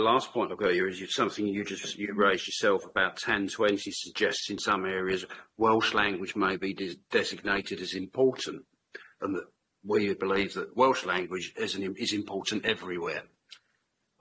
My last point I've got here is something you just raised yourself about ten twenty suggests in some areas, Welsh language may be designated as important and that we believe that Welsh language is important everywhere.